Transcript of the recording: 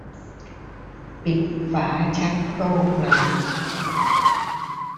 ปิดฝาชักโครกหน่อย